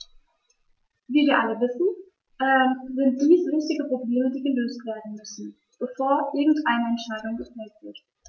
Wie wir alle wissen, sind dies wichtige Probleme, die gelöst werden müssen, bevor irgendeine Entscheidung gefällt wird.